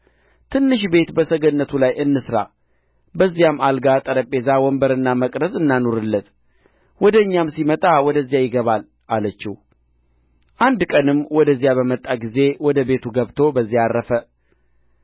አለፈ በዚያም ታላቅ ሴት ነበረች እንጀራ ይበላ ዘንድ የግድ አለችው በዚያም ባለፈ ቍጥር እንጀራ ሊበላ ወደዚያ ይገባ ነበር ለባልዋም ይህ በእኛ ዘንድ ሁልጊዜ የሚያልፈው ቅዱስ የእግዚአብሔር ሰው እንደ ሆነ አውቃለሁ